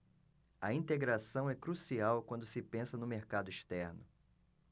a integração é crucial quando se pensa no mercado externo